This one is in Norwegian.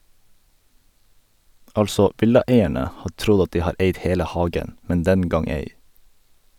Altså, villaeierne har trodd at de har eid hele hagen, men den gang ei.